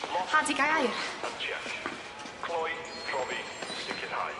Pa 'di gair? Cloi, profi, sicirhau.